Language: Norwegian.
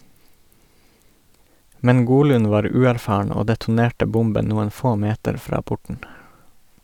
Men Golun var uerfaren og detonerte bomben noen få meter fra porten.